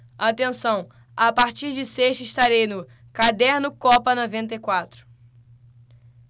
atenção a partir de sexta estarei no caderno copa noventa e quatro